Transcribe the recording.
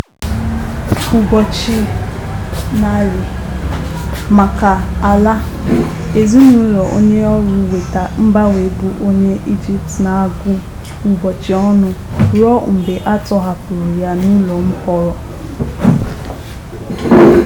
Ụbọchị 100 maka Alaa: Ezinụlọ onye ọrụ mweta mgbanwe bụ onye Egypt na-agụ ụbọchị ọnụ ruo mgbe a tọhapụrụ ya n'ụlọ mkpọrọ